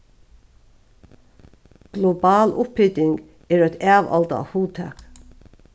global upphiting er eitt avoldað hugtak